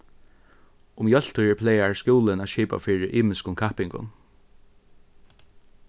um jóltíðir plagar skúlin at skipa fyri ymiskum kappingum